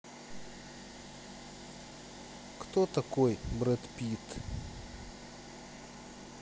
кто такой брэд питт